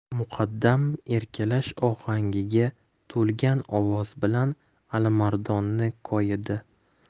muqaddam erkalash ohangiga to'lgan ovoz bilan alimardonni koyidi